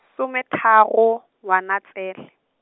some tharo, Ngwanatsele.